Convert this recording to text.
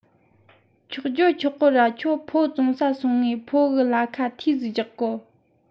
ཆོག རྒྱུའོ ཆོག གི ར ཁྱོད ཕིའོ བཙོང ས སོང ངས ཕིའོ གི ལ ཁ ཐེའུ ཟིག རྒྱག དགོ